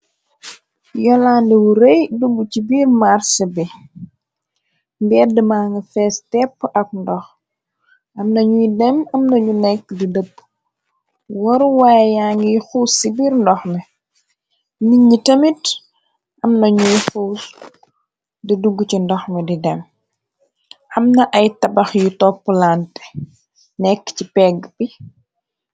Yolande wu rëy duggu ci biir màrsé bi mbedde mang fees tepp ak ndox amnañuy dem amnañu nekk di dëbb waruwaay ya ngi xuus si biir ndoxme nit ñi tamit am nañuy xuus di dugg ci ndoxme di dem amna ay tabax yu topp lante nekk ci pegg bi.